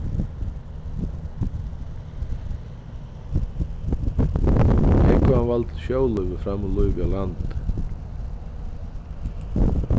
jógvan valdi sjólívið fram um lívið á landi